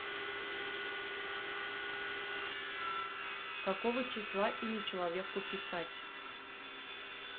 какого числа или человеку писать